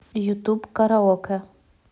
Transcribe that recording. ютуб караоке